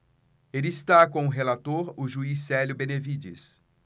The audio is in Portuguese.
ele está com o relator o juiz célio benevides